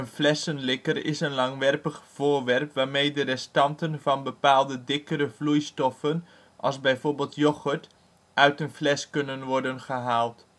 flessenlikker is een langwerpig voorwerp waarmee de restanten van bepaalde dikkere vloeistoffen als bijvoorbeeld yoghurt uit een fles kunnen worden gehaald